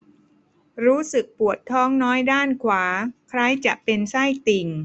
รู้สึกปวดท้องน้อยด้านขวาคล้ายจะเป็นไส้ติ่ง